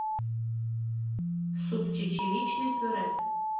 суп чечевичный пюре